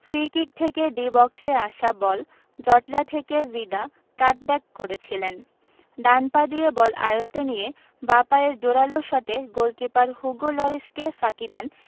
free kick থেকে D বক্সে আসা বল জটলা থেকে ভিদা কাটব্যাক করেছিলেন ডান পা দিয়ে বল আয়ত্তে নিয়ে বাঁ পায়ের জোরালো শটে গোলকিপার হুগো লরিসকে ফাঁকি দেন